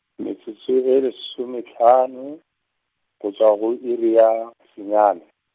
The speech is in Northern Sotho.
metsotso e lesomehlano, go tšwa go iri ya , senyane.